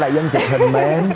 là dân chụp hình mà em